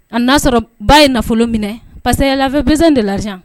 A y'a sɔrɔ ba ye nafolo minɛ pa queya lafifɛb de la